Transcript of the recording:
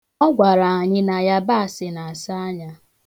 Ọ gwara anyị na yabaasị na-asa anya.